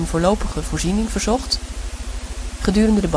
voorlopige voorziening verzocht gedurende